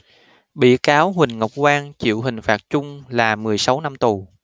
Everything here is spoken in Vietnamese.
bị cáo huỳnh ngọc quang chịu hình phạt chung là mười sáu năm tù